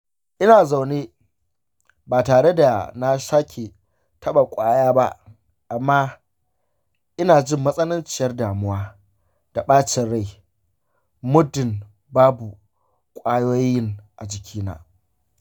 ina zaune ba tare da na sake taɓa ƙwaya ba amma ina jin matsananciyar damuwa da bacin rai muddin babu ƙwayoyin a jikina.